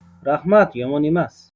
raxmat yomon emas